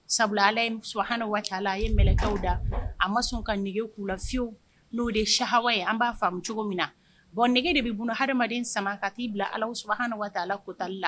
Sabula ala ye su waati a ye mkaw da a ma sɔn ka nɛgɛge'u la fiyewu'o de saaa ye an b'a faamu cogo min na bɔn nege de bɛ bolo hadamaden sama ka t'i bila ala su waati ala kutali la